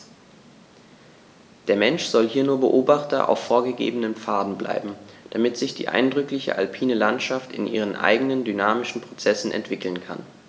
Der Mensch soll hier nur Beobachter auf vorgegebenen Pfaden bleiben, damit sich die eindrückliche alpine Landschaft in ihren eigenen dynamischen Prozessen entwickeln kann.